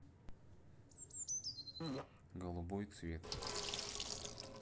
голубой цвет